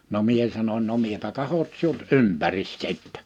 no minä sanoin no minäpä katson sinut ympäri sitten